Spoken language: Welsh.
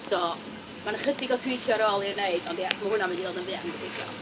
So ma' 'na chydig o twîcio ar ôl i'w wneud, ond ie, so ma' hwnna'n mynd i ddod yn fuan gobeithio.